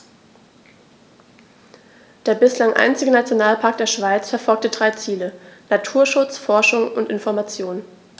Der bislang einzige Nationalpark der Schweiz verfolgt drei Ziele: Naturschutz, Forschung und Information.